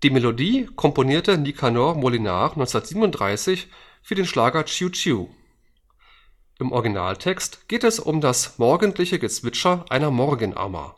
Melodie komponierte Nicanor Molinare 1937 für den Schlager Chiu Chiu. Im Originaltext geht es um das morgendliche Gezwitscher einer Morgenammer